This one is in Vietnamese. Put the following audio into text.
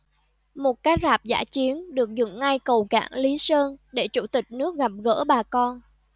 một cái rạp dã chiến được dựng ngay cầu cảng lý sơn để chủ tịch nước gặp gỡ bà con